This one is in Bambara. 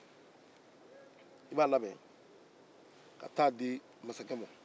i b'a labɛn ka t'a di masakɛ ma